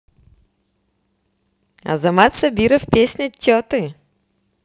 азамат сабиров песня че ты